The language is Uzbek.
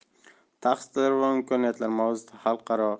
tahdidlar va imkoniyatlar mavzusidagi xalqaro